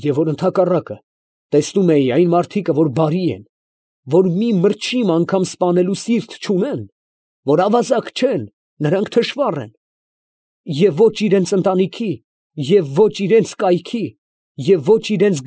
Եվ որ ընդհակառակն, տեսնում էի, այն մարդիկը, որ բարի են, որ մի մրջիմ անգամ սպանելու սիրտ չունեն, որ ավազակ չեն, նրանք թշվառ են, և ո՛չ իրանց ընտանիքի, և ո՛չ իրանց կայքի, և ո՛չ իրանց։